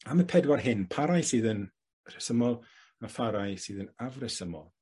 Am y pedwar hyn pa' rai sydd yn rhesymol a pha rai sydd yn afresymol?